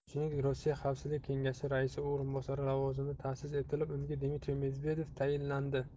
shuningdek rossiya xavfsizlik kengashi raisi o'rinbosari lavozimi ta'sis etilib unga dmitriy medvedev tayinlandi